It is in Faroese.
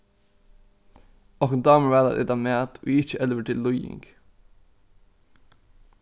okkum dámar væl at eta mat ið ikki elvir til líðing